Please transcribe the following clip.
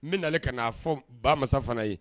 N bɛ na ka'a fɔ bamasa fana ye